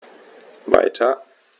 Weiter.